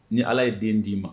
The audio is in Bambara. Ni ala ye den d'i ma